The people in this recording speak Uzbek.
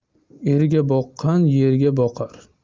erga boqqan yerga boqar